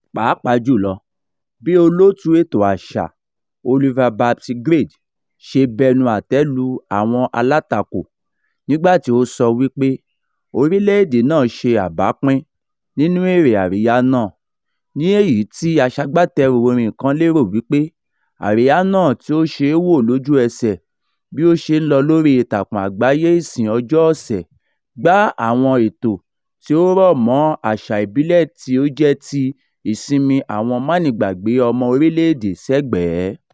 Pàápàá jù lọ bí Olóòtú Ètò Àṣà Olivia "Babsy" Grange ṣe bẹnu-àtẹ́ lu àwọn alátakò nígbà tí ó sọ wípé orílẹ̀ èdè náà ṣe àbápín nínú èrè àríyá náà, ní èyí tí aṣagbátẹrù orin kan lérò wípé àríyá náà tí ó ṣe é wò lójú ẹsẹ̀ bí ó ṣe ń lọ lóríi ìtakùn àgbáyée Ìsìn Ọjọ́ Ọ̀sẹ̀, "gba" àwọn ètò tí ó rọ̀ mọ́ àṣà ìbílẹ̀ tí ó jẹ́ ti Ìsinmi àwọn Málegbàgbé Ọmọ orílẹ̀ èdè sẹ́gbẹ̀ẹ́.